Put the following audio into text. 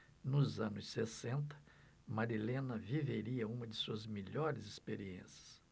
nos anos sessenta marilena viveria uma de suas melhores experiências